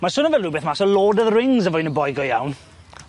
Ma'n swnio fel rwbeth mas o Lord of the Rings efo un y boi go iawn.